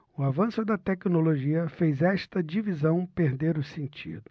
o avanço da tecnologia fez esta divisão perder o sentido